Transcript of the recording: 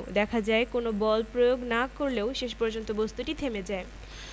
উপায় ব্যাখ্যা করতে পারব আমাদের জীবনে ঘর্ষণের ইতিবাচক প্রভাব বিশ্লেষণ করতে পারব